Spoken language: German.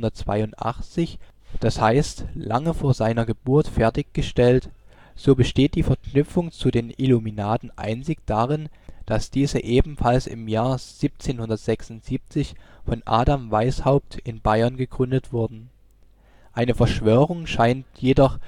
1782, d. h. lange vor seiner Geburt fertiggestellt, so besteht die Verknüpfung zu den Illuminaten einzig darin, dass diese ebenfalls im Jahr 1776 von Adam Weishaupt in Bayern gegründet wurden. Eine Verschwörung scheint jedoch